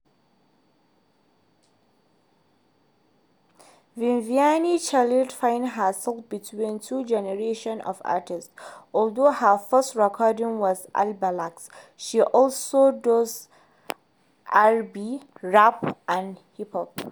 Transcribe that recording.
Viviane Chidid finds herself between two generations of artists: although her first recording was Mbalax, she also does R&B, rap, and hip hop.